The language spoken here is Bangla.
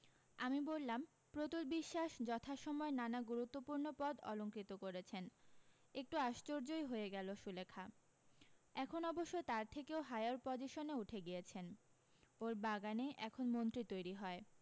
আমি বললাম প্রতুল বিশ্বাস যথাসময় নানা গুরুত্বপূর্ণ পদ অলংকৃত করেছেন একটু আশ্চর্য্যৈ হয়ে গেলো সুলেখা এখন অবশ্য তার থেকেও হায়ার পজিশনে উঠে গিয়েছেন ওর বাগানে এখন মন্ত্রী তৈরী হয়